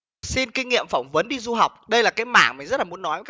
xin kinh nghiệm phỏng vấn đi du học đây là cái mảng mình rất là muốn nói